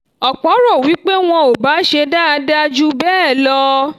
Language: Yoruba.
Ọ̀pọ̀ rò wí pé wọn ò bá ṣe dáadáa jù bẹ́ẹ̀ lọ.